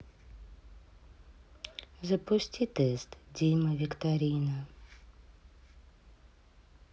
запусти тест дима викторина